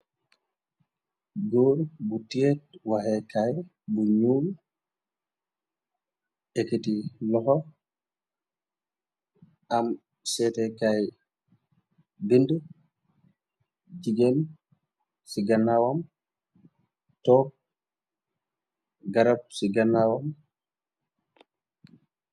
Góor bu tehe waxekaay bu ñuul, eketi loxo, am seete kaay bind, jigeen ci gannaawam toog, garab ci gannaawam.